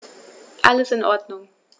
Alles in Ordnung.